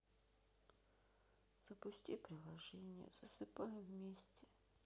запусти приложение засыпаем вместе